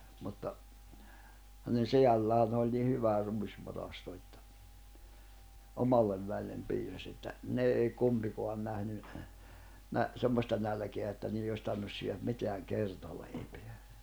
mutta hänen sedällään oli niin hyvä ruisvarasto että omalle väelle piisasi että ne ei kumpikaan nähnyt - semmoista nälkää että niiden olisi tarvinnut syödä mitään kertaleipää